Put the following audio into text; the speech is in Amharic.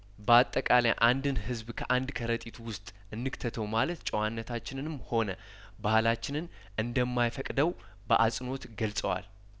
ባጠቃላይ አንድን ህዝብ ከአንድ ከረጢት ውስጥ እንክተተው ማለት ጨዋነታችንንም ሆነ ባህላችንን እንደማይፈቅደው በአጽንኦት ገልጸዋል